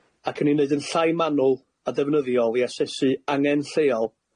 ac yn ei wneud yn llai manwl a ddefnyddiol i asesu angen lleol